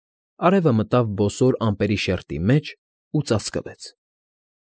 Արևը մտավ բոսոր ամպերի շերտի մեջ ու ծածկվեց։